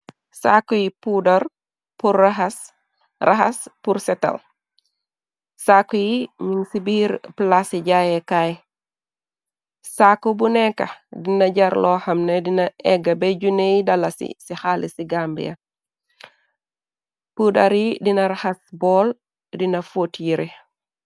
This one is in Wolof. saaku yi dar raxas pur setal saaku yi ñu ci biir plaasi jaayekaay saaku bu nekkax dina jar looxam ne dina egg be juney dala ci ci xalli ci gamb ya pudar yi dina raxas bool dina foot yire